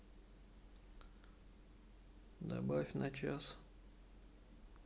добавь на час